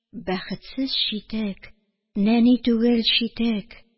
Бәхетсез читек, нәни түгел читек